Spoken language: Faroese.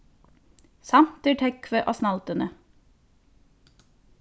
samt er tógvið á snælduni